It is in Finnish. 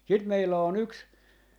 sitten meillä on yksi